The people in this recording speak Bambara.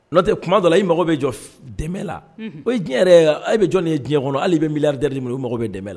N'otɛ kuma dɔ i mɔgɔ bɛ jɔ dɛ la o diɲɛ yɛrɛ bɛ jɔ nin ye diɲɛ kɔnɔ hali bɛ mi dɛ minɛ o mɔgɔ bɛ dɛ la